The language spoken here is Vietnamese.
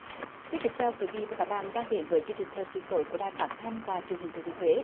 xin kính chào quý vị và các bạn đang đến với chương trình thời sự tối của đài phát thanh và truyền hình thừa thiên huế